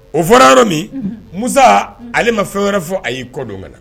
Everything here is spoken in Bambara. O fɔra yɔrɔ min musa ale ma fɛn wɛrɛ fɔ a y'i kɔdon minɛ